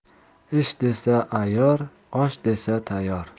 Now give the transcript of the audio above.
ish desa ayyor osh desa tayyor